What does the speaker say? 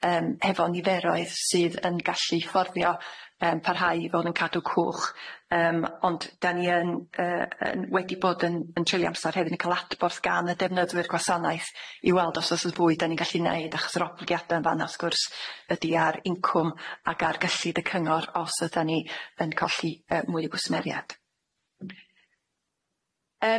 yym hefo niferoedd sydd yn gallu fforddio yym parhau i fod yn cadw cwch yym ond 'dan ni yn yy yn wedi bod yn yn trulio amsar hefyd y ca'l adborth gan y defnyddwyr gwasanaeth i weld os o's 'a fwy 'dan ni'n gallu neud achos yr obligiada yn fan'na wrth gwrs ydi ar incwm ag ar gyllid y cyngor os ydan ni yn colli yy mwy o gwsmeriad.